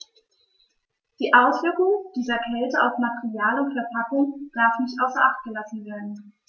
Die Auswirkungen dieser Kälte auf Material und Verpackung darf nicht außer acht gelassen werden.